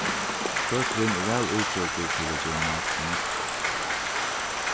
køkurin er væl útgjørdur til at gera mat til nógv fólk